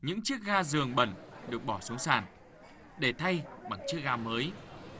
những chiếc ga giường bẩn được bỏ xuống sàn để thay bằng chiếc ga mới